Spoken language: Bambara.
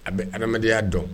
A bɛ adamadenyaya dɔn